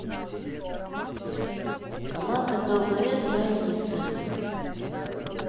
команда квн раисы